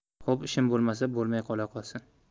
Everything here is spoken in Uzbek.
xo'p ishim bo'lmasa bo'lmay qo'ya qolsin